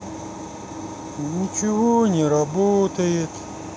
ничего не работает